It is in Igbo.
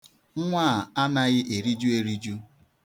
Nwa a anaghị eriju eriju.